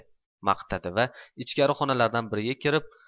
maqtadi u va ichkari xonalardan biriga kirib